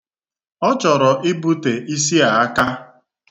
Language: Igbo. Ọ chọrọ ibute isi a aka.